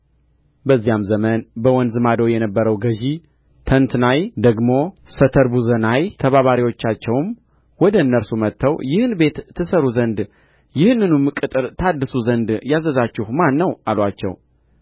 በዚያም ዘመን በወንዝ ማዶ የነበረው ገዥ ተንትናይ ደግሞ ሰተርቡዝናይ ተባባሪዎቻቸውም ወደ እነርሱ መጥተው ይህን ቤት ትሠሩ ዘንድ ይህንኑም ቅጥር ታድሱ ዘንድ ያዘዛችሁ ማን ነው አሉአቸው